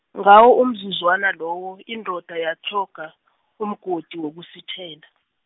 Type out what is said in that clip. ngawo umzuzwana lowo indoda yatlhoga, umgodi wokusithela.